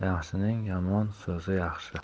yaxshining yomon so'zi yaxshi